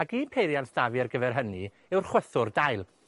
Ac un peiriant s'da fi ar gyfer hynny yw'r chwythwr dail.